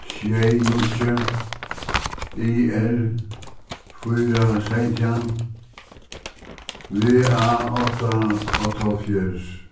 sjey níggju i r fýra seytjan v a átta áttaoghálvfjerðs